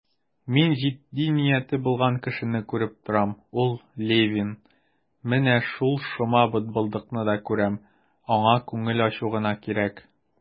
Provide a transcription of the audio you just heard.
Мин җитди нияте булган кешене күреп торам, ул Левин; менә шул шома бытбылдыкны да күрәм, аңа күңел ачу гына кирәк.